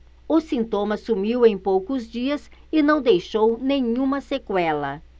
o sintoma sumiu em poucos dias e não deixou nenhuma sequela